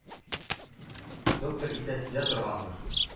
Доктор үзе сизә торгандыр.